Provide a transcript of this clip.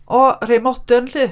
O rhai modern lly?